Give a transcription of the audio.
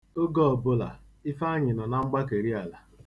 Oge ọbụla, Ifeanyị nọ na mgbakeriala.